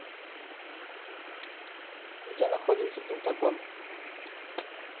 где находится пентагон